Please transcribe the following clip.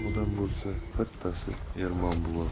odam bo'lsa bittasi ermon buva